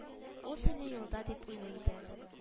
Ул сине юлда дип уйлый иде